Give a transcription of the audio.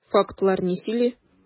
Фактлар ни сөйли?